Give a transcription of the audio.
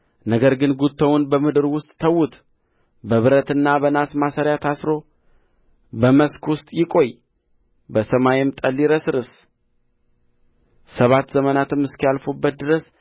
ነገር ግን ጉቶውን በምድር ውስጥ ተዉት በብረትና በናስ ማሰሪያ ታስሮ በመስክ ውስጥ ይቈይ በሰማይም ጠል ይረስርስ ሰባት ዘመናትም እስኪያልፉበት ድረስ